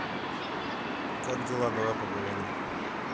как дела давай поговорим